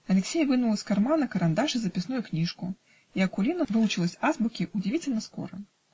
Алексей вынул из кармана карандаш и записную книжку, и Акулина выучилась азбуке удивительно скоро.